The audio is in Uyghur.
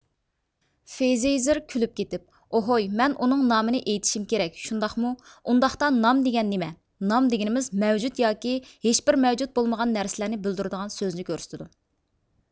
فىزېيزېر كۈلۈپ كېتىپ ئوھۇي مەن ئۇنىڭ نامىنى ئېيتىشىم كېرەك شۇنداقمۇ ئۇنداقتا نام دېگەن نېمە نام دېگىنىمىز مەۋجۇت ياكى ھىچبىر مەۋجۇت بولمىغان نەرسىلەرنى بىلدۈرىدىغان سۆزنى كۆرسىتىدۇ